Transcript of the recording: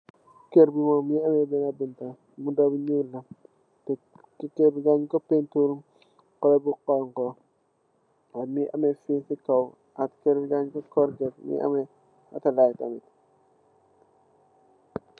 Kerr bi mom mu ngi amée bene bunta bu bunta bi mirr te kerr bi dan ko pintiir colar bu xonku ak mu ngi amée fil ci caw ak kerr gi tamet dan co coor get ak mu ngi amée auto diey tamet.